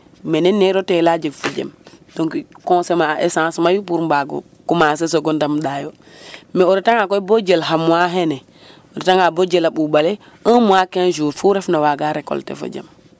mene neero teela jeg fo jem donc consommer a essence mayu pour mbaag o commencer sogo ndaam ndaa yo me o retanga koy bo jel xa mois xene o retanga bo jela ɓuuƥ ale 1 mois 15 jours fu refna waaga récolter fo jem .